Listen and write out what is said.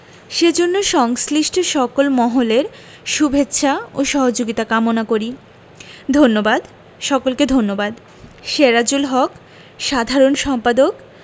সেজন্য সংশ্লিষ্ট সকল মহলের শুভেচ্ছা ও সহযোগিতা কামনা করি ধন্যবাদ সকলকে ধন্যবাদ সেরাজুল হক সাধারণ সম্পাদক